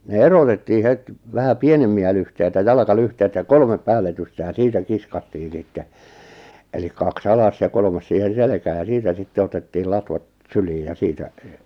ne erotettiin heti vähän pienempiä lyhteitä jalkalyhteitä ja kolme päälletysten ja siitä kiskottiin sitten eli kaksi alas ja kolmas siihen selkään ja siitä sitten otettiin latvat syliin ja siitä